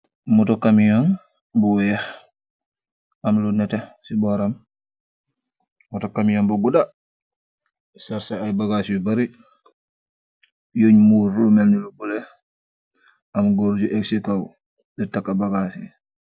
Motor kamiyor , bu weeh emm luu neteh sii boram, auto kamiyon bu gudahh , sarseh ayy bagass yu bareh, yun murr lu melni lu bulo emm gorr bu akk kaow tagah bagass si .